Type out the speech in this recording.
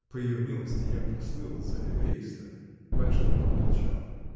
По ее милости я прослыл за эгоиста. Паншин помолчал.